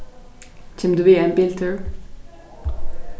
kemur tú við ein biltúr